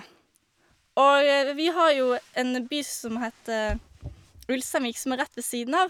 Og r vi har jo en by som heter Ulsteinvik, som er rett ved siden av.